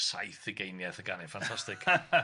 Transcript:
'Saith ugeiniaeth a ganai', ffantastig!